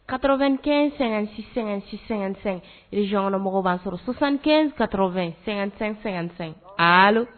Kato2-ɛn--sɛ-sɛ rezsonyɔnkɔnɔmɔgɔw b'a sɔrɔsanɛn-ka2--sɛsɛn ali